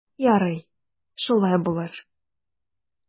Ярый, шулай булыр.